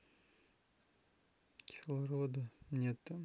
кисло города нет нам